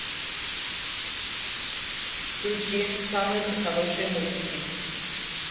включи самые прехорошие мультики